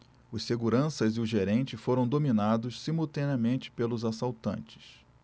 os seguranças e o gerente foram dominados simultaneamente pelos assaltantes